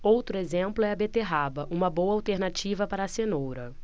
outro exemplo é a beterraba uma boa alternativa para a cenoura